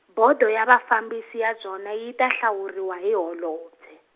Bodo ya Vafambisi ya byona yi ta hlawuriwa hi Holobye.